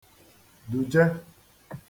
dùje